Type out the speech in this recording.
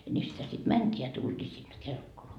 ja niin sitä sitten mentiin ja tultiin sinne Kelkkolaan